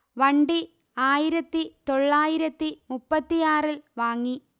വണ്ടി ആയിരത്തി തൊള്ളായിരത്തി മുപ്പത്തിയാറിൽ വാങ്ങി